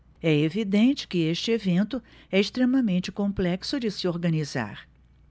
é evidente que este evento é extremamente complexo de se organizar